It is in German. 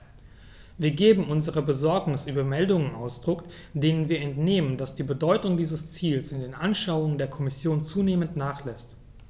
Wir geben unserer Besorgnis über Meldungen Ausdruck, denen wir entnehmen, dass die Bedeutung dieses Ziels in den Anschauungen der Kommission zunehmend nachlässt.